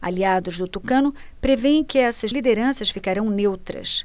aliados do tucano prevêem que essas lideranças ficarão neutras